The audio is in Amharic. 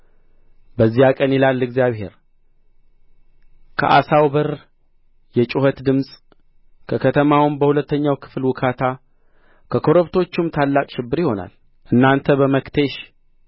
በዚያ ቀን ይላል እግዚአብሔር ከዓሣው በር የጩኸት ድምፅ ከከተማውም በሁለተኛው ክፍል ውካታ ከኮረብቶቹም ታላቅ ሽብር ይሆናል እናንተ በመክቴሽ